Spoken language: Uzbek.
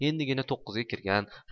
endigina to'qqizga kirgan